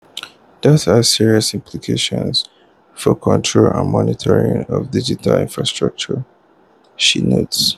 “That has serious implications for control and monitoring of digital infrastructure,” she notes.